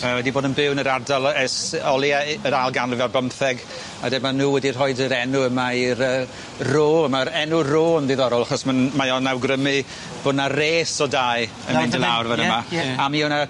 Yy wedi bod yn byw yn yr ardal ers o leia yy yr ail ganrif ar bymtheg a 'dyn ma' nw wedi rhoid yr enw yma i'r yy row a ma'r enw row yn ddiddorol achos ma'n mae o'n awgrymu bo' 'na res o dai yn mynd i lawr fan yma. Ie ie. A mi o' 'ny